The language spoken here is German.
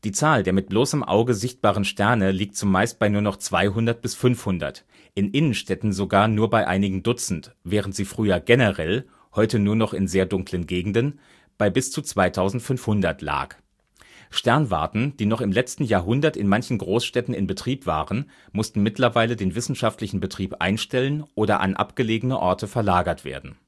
Zahl der mit bloßem Auge sichtbaren Sterne liegt zumeist bei nur noch 200 bis 500, in Innenstädten sogar nur bei einigen Dutzend, während sie früher generell – heute nur noch in sehr dunklen Gegenden – bei bis zu 2500 lag. Sternwarten, die noch im letzten Jahrhundert in manchen Großstädten in Betrieb waren, mussten mittlerweile den wissenschaftlichen Betrieb einstellen oder an abgelegene Orte verlagert werden